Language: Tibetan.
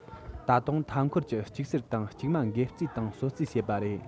ད དུང མཐའ འཁོར གྱི ལྕུག གསར དང ལྕུག མ འགེབས རྩིས དང གསོད རྩིས བྱེད པ རེད